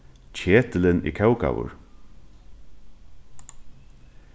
ketilin er kókaður